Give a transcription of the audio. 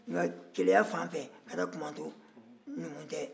n ka keleya fanfɛ ka taa kumantu numuw tɛ